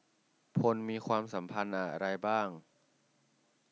พลมีความสัมพันธ์อะไรบ้าง